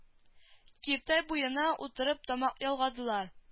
Киртә буена утырып тамак ялгадылар